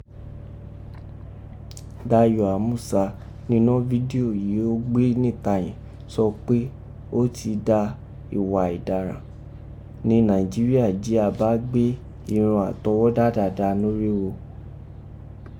Dayo Amusa ninọ́ fidio èyí ó gbe nita yẹ̀n sọ pe, o ti dà ìwà ọ̀dáràn ni Naijiria jí a bá gbé irọn atọwọda Dàda norígho.